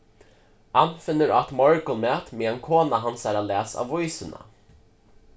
annfinnur át morgunmat meðan kona hansara las avísina